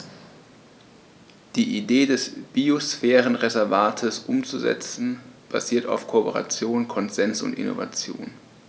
Die Idee des Biosphärenreservates umzusetzen, basiert auf Kooperation, Konsens und Innovation.